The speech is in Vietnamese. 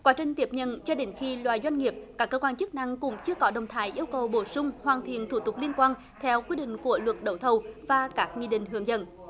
quá trình tiếp nhận cho đến khi loại doanh nghiệp các cơ quan chức năng cũng chưa có động thái yêu cầu bổ sung hoàn thiện thủ tục liên quan theo quy định của luật đấu thầu và các nghị định hướng dẫn